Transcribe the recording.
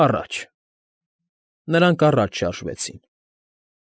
Առա՜ջ… Նրանք առաջ շարժվեցին։